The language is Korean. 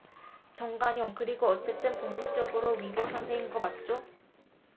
정관용 그리고 어쨌든 법률적으로는 위법 상태인 거 맞죠